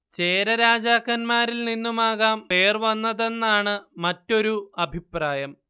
ചേര രാജാക്കന്മാരിൽ നിന്നുമാകാം പേർ വന്നതെന്നാണ് മറ്റൊരു അഭിപ്രായം